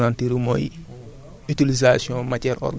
peut être dañu ñun ci li ñu gën a apesantir mooy